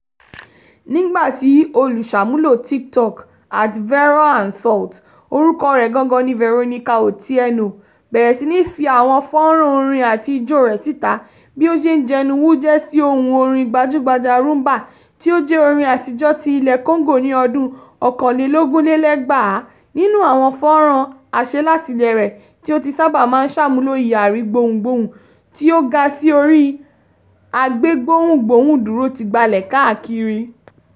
Nígbà tí olùṣàmúlò Tiktok @Veroansalt (orúkọ rẹ̀ gangan ni Veronica Otieno) bẹ̀rẹ̀ sí ní fi àwọn fọ́nràn orin àti ijó rẹ̀ síta bí ó ṣe ń jẹnu wújẹ́ sí ohùn orin gbajúgbajà Rhumba tí ó jẹ́ orín àtijọ́ ti ilẹ̀ Congo ní ọdún 2021, nínú àwọn fọ́nràn àṣelátilé rẹ̀ tí ó ti sábà máa ń sàmúlò ìyàrí (gbohùngbohùn) tí ó gà sí orí agbégbohùngbohùndúró ti gbalẹ̀ káàkiri.